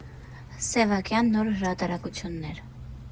Սևակյան նոր հրատարակություններ։